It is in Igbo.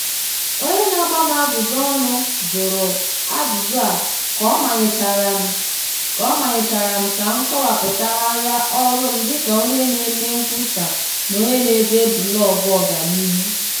Onye na-agba m ajụjụ ọnụ jụrụ ajụjụ a ka ọ manyechara m ka m kọwapụtagharịa ọrụ m dịka onye na-eme nkwusa na onye na-ede blọọgụ ọganihu.